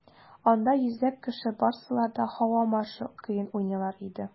Анда йөзләп кеше быргыларда «Һава маршы» көен уйныйлар иде.